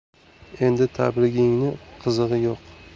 endi tabrigingni qizig'i yo'q